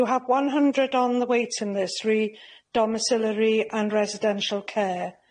You have one hundred on the wait in this re- domiciliary and residential care.